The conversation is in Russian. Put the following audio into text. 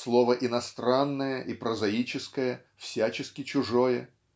слово иностранное и прозаическое всячески чужое